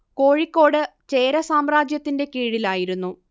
കോഴിക്കോട് ചേര സാമ്രാജ്യത്തിന്റെ കീഴിലായിരുന്നു